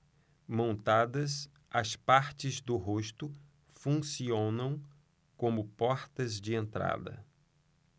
montadas as partes do rosto funcionam como portas de entrada